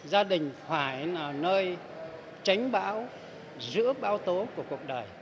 gia đình phải là nơi tránh bão giữa bão tố của cuộc đời